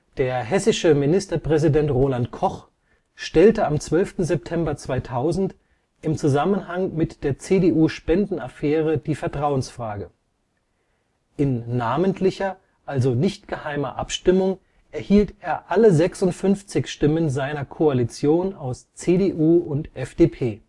Der hessische Ministerpräsident Roland Koch stellte am 12. September 2000 im Zusammenhang mit der CDU-Spendenaffäre die Vertrauensfrage. In namentlicher, also nichtgeheimer Abstimmung erhielt er alle 56 Stimmen seiner Koalition aus CDU und FDP